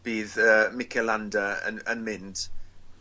bydd yy Mikel Landa yn yn mynd.